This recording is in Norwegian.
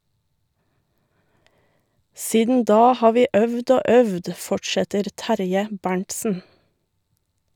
- Siden da har vi øvd og øvd, fortsetter Terje Berntsen.